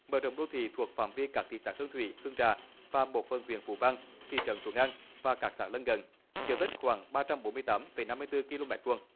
mở rộng đô thị thuộc phạm vi các thị xã hương thủy hương trà và một phần huyện phú vang thị trấn thuận an và các xã lân cận diện tích khoảng ba trăm bốn mươi tám phẩy năm mươi tư ki lô mét vuông